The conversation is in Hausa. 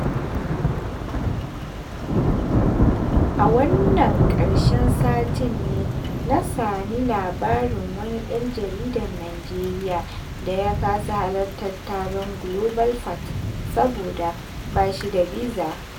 A wannan ƙarshen satin ne na sami labari wani ɗan jaridar Nijeriya da ya kasa halartar taron GlobalFact saboda ba shi da biza.